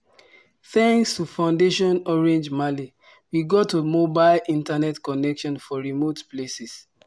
Thanks to Fondation Orange Mali, we got a mobile Internet connection for remote places.